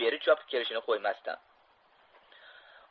beri chopib kelishini qo'ymasdi